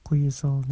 boshini quyi soldi